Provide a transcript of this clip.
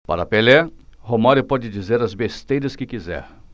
para pelé romário pode dizer as besteiras que quiser